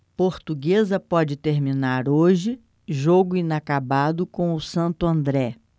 portuguesa pode terminar hoje jogo inacabado com o santo andré